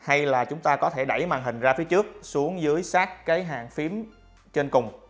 hay đẩy màn hình về trước xuống sát hàng phím trên cùng